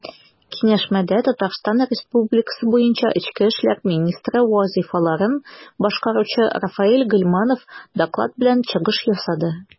Киңәшмәдә ТР буенча эчке эшләр министры вазыйфаларын башкаручы Рафаэль Гыйльманов доклад белән чыгыш ясады.